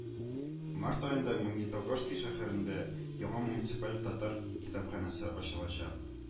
Март аенда Магнитогорски шәһәрендә яңа муниципаль татар китапханәсе ачылачак